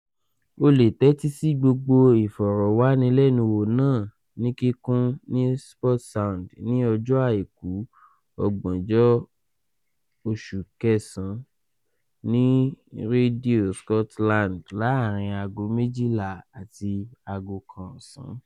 O lè tẹ́tì sí gbogbo ìfọ̀rọ̀wanilẹ́nuwò náà ní kíkún ní Sportsound ní ọjọ́ àìkù, 30 oṣù kẹsàn-án ni Rédíò Scotland láàárin ago 12:00 àti 13:00 BST